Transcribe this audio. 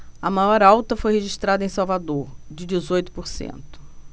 a maior alta foi registrada em salvador de dezoito por cento